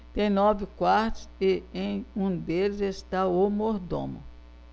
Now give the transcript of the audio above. tem nove quartos e em um deles está o mordomo